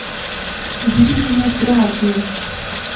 убери зимой траки